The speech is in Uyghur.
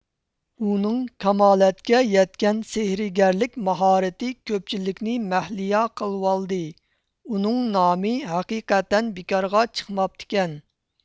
ئۇنىڭ كامالەتكە يەتكەن سېھىرگەرلىك ماھارىتى كۆپچىلىكنى مەھلىيا قىلىۋالدى ئۇنىڭ نامى ھەقىقەتەن بىكارغا چىقماپتىكەن